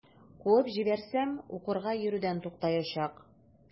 Куып җибәрсәм, укырга йөрүдән туктаячак.